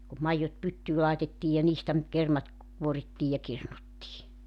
kun maidot pyttyyn laitettiin ja niistä nyt kermat kuorittiin ja kirnuttiin